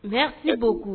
N bɛ se ko kun